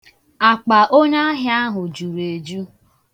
Akpa onyaahịa ahụ juru eju.